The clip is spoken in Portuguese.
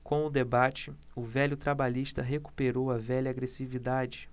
com o debate o velho trabalhista recuperou a velha agressividade